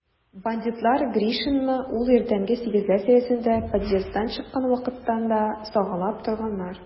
Бандитлар Гришинны ул иртәнге сигезләр тирәсендә подъезддан чыккан вакытында сагалап торганнар.